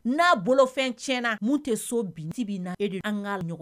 N'a bolofɛn cɛna mun tɛ so bin e do don